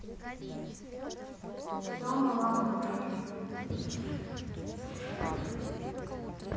сема лаврушкин